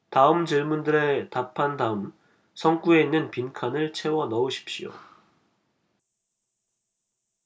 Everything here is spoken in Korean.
다음 질문들에 답한 다음 성구에 있는 빈칸을 채워 넣으십시오